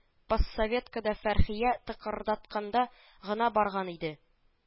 Поссоветка да фәрхия тыкырдатканга гына барган иде